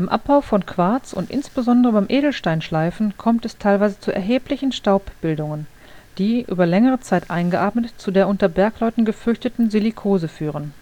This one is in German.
Abbau von Quarz und insbesondere beim Edelsteinschleifen kommt es teilweise zu erheblichen Staubbildungen, die, über längere Zeit eingeatmet, zu der unter Bergleuten gefürchteten Silikose führen